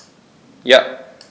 Ja.